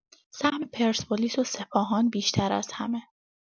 سهم پرسپولیس و سپاهان بیشتر از همه؛